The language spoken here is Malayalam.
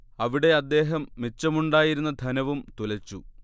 അവിടെ അദ്ദേഹം മിച്ചമുണ്ടായിരുന്ന ധനവും തുലച്ചു